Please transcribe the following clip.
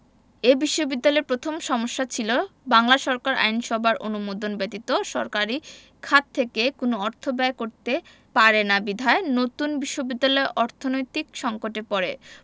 এ বিশ্ববিদ্যালয়ের প্রথম সমস্যা ছিল বাংলা সরকার আইনসভার অনুমোদন ব্যতীত সরকারি খাত থেকে কোন অর্থ ব্যয় করতে পারে না বিধায় নতুন বিশ্ববিদ্যালয় অর্থনৈতিক সংকটে পড়ে